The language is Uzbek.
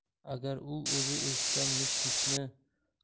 agar u o'zi eshitgan mish mishni